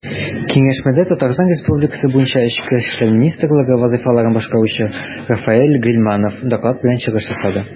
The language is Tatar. Киңәшмәдә ТР буенча эчке эшләр министры вазыйфаларын башкаручы Рафаэль Гыйльманов доклад белән чыгыш ясады.